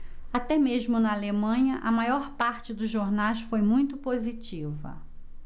até mesmo na alemanha a maior parte dos jornais foi muito positiva